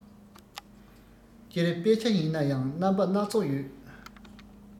སྤྱིར དཔེ ཆ ཡིན ན ཡང རྣམ པ སྣ ཚོགས ཡོད